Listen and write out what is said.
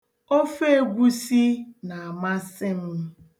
Ofe egwusi na-amasị m.